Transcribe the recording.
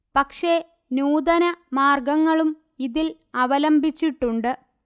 പക്ഷേ നൂതന മാർഗങ്ങളും ഇതിൽ അവലംബിച്ചിട്ടുണ്ട്